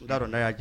N t'a dɔn n'a ya